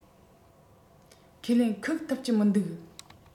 ཁས ལེན ཁུག ཐུབ ཀྱི མི འདུག